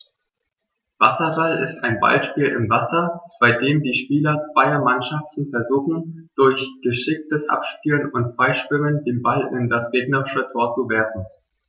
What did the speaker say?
Wasserball ist ein Ballspiel im Wasser, bei dem die Spieler zweier Mannschaften versuchen, durch geschicktes Abspielen und Freischwimmen den Ball in das gegnerische Tor zu werfen.